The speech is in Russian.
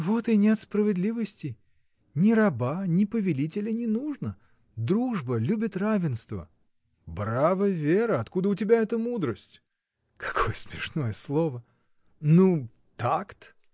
— Вот и нет справедливости: ни раба, ни повелителя не нужно. Дружба любит равенство. — Браво, Вера! Откуда у тебя эта мудрость? — Какое смешное слово! — Ну такт?